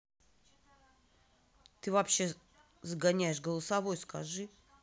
ты вообще загоняешь голосовой скажи